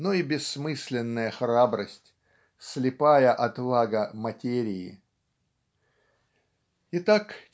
но и бессмысленная храбрость слепая отвага материи. Итак